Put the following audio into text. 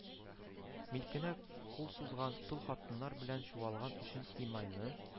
Милкенә кул сузган, тол хатыннар белән чуалган өчен имайны